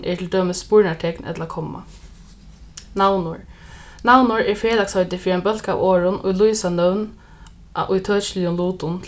eru til dømis spurnartekn ella komma navnorð navnorð er felagsheiti fyri ein bólk av orðum ið lýsa nøvn á ítøkiligum lutum